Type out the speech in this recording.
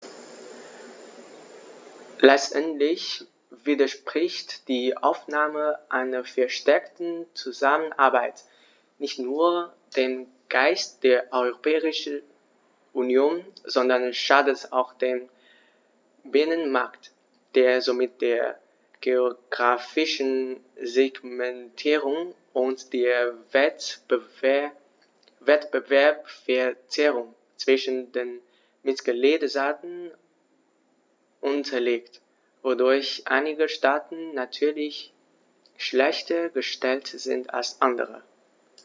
Letztendlich widerspricht die Aufnahme einer verstärkten Zusammenarbeit nicht nur dem Geist der Europäischen Union, sondern schadet auch dem Binnenmarkt, der somit der geographischen Segmentierung und der Wettbewerbsverzerrung zwischen den Mitgliedstaaten unterliegt, wodurch einige Staaten natürlich schlechter gestellt sind als andere.